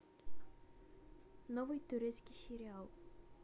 новый турецкий сериал